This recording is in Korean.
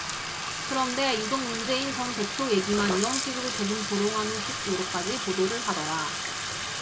그런데 유독 문재인 전 대표 얘기만 이런 식으로 조금 조롱하는 식으로까지 보도를 하더라